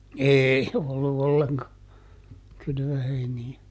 ei ollut ollenkaan kylvöheiniä